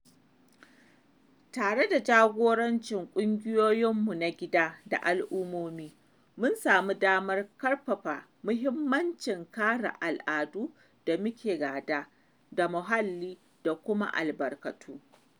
Tare da jagorancin ƙungiyoyinmu na gida da al’ummomi, mun samu damar ƙarfafa mahimmancin kare al’adu da muka gada da muhalli da kuma albarkatu.